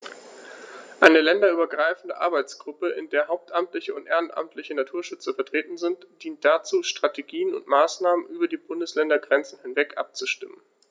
Eine länderübergreifende Arbeitsgruppe, in der hauptamtliche und ehrenamtliche Naturschützer vertreten sind, dient dazu, Strategien und Maßnahmen über die Bundesländergrenzen hinweg abzustimmen.